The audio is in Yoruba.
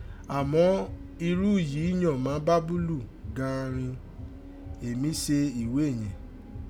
Àmà irun yìí yọ̀n má Babùlù gan an rin, éè mí se ìwé yẹ̀n.